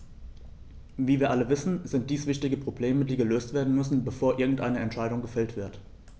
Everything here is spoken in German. Wie wir alle wissen, sind dies wichtige Probleme, die gelöst werden müssen, bevor irgendeine Entscheidung gefällt wird.